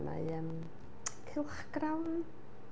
Mae yym cylchgrawn...